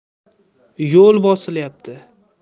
yo'l bosilyapti